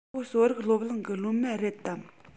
ཁོ གསོ རིག སློབ གླིང གི སློབ མ རེད དམ